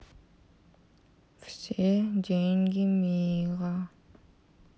все деньги мира